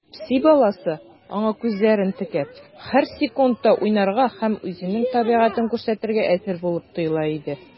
Песи баласы, аңа күзләрен текәп, һәр секундта уйнарга һәм үзенең мәче табигатен күрсәтергә әзер булып тоела иде.